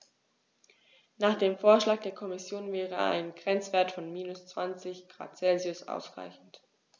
Nach dem Vorschlag der Kommission wäre ein Grenzwert von -20 ºC ausreichend.